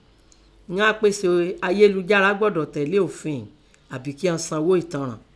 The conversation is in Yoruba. Ìnan apèsè ayélujára gbọdọ̀ tẹ̀lé òfi ìín àbí kín ọ́n sanghó ẹ̀tanràn